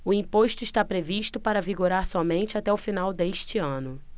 o imposto está previsto para vigorar somente até o final deste ano